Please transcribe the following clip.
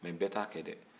mais bɛɛ t'a kɛ dɛ